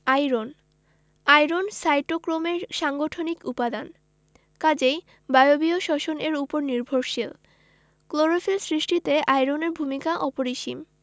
iron iron সাইটোক্রোমের সাংগঠনিক উপাদান কাজেই বায়বীয় শ্বসন এর উপর নির্ভরশীল ক্লোরোফিল সৃষ্টিতেও আয়রনের ভূমিকা অপরিসীম